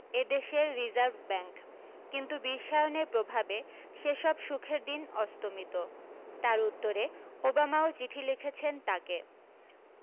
এ দেশের reserve bank কিন্ত বিশ্বায়নের প্রভাবে সে সব সুখের দিন অস্তমিত তাঁর উত্তরে ওবামাও চিঠি লিখেছেন তাঁকে